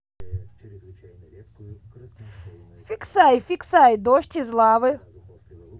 фиксай фиксай дождь из лавы